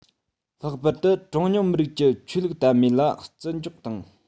ལྷག པར དུ གྲངས ཉུང མི རིགས ཀྱི ཆོས ལུགས དད མོས ལ བརྩི འཇོག དང